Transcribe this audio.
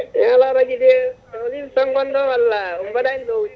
e * radio de ko émission gonɗon walla on mbaɗani lowdi